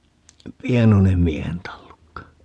pienoinen miehen tallukka